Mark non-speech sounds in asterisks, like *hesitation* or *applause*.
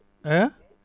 *hesitation*